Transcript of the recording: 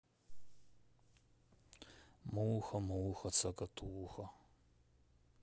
муха муха цокотуха